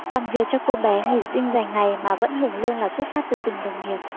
còn việc cho cô bé nghỉ sinh dài ngày mà vẫn hưởng lương là xuất phát từ tình đồng nghiệp